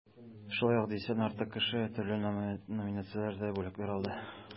Шулай ук дистәдән артык кеше төрле номинацияләрдә бүләкләр алды.